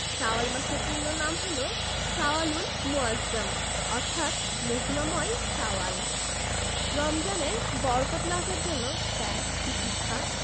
শাওয়াল মাসের পূর্ণ নাম হলো শাওয়ালুল মুআজ্জম অর্থাৎ মহিমাময় শাওয়াল রমজানের বরকত লাভের জন্য ত্যাগ তিতিক্ষা